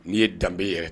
N'i ye danbe yɛrɛ